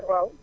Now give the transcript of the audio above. waaw